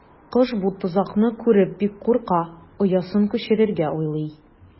Кош бу тозакны күреп бик курка, оясын күчерергә уйлый.